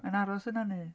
Yn aros yna neu...?